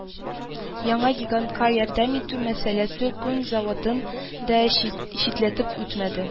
Яңа гигантка ярдәм итү мәсьәләсе күн заводын да читләтеп үтмәде